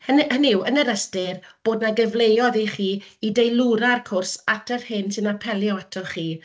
Hynny hynny yw, yn yr ystyr, bod 'na gyfleoedd i chi i i deilwra'r cwrs at yr hyn sy'n apelio ato chi.